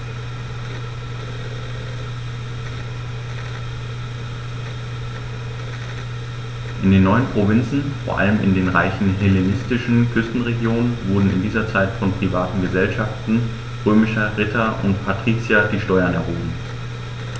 In den neuen Provinzen, vor allem in den reichen hellenistischen Küstenregionen, wurden in dieser Zeit von privaten „Gesellschaften“ römischer Ritter und Patrizier die Steuern erhoben.